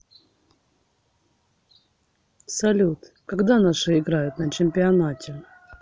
салют когда наши играют на чемпионате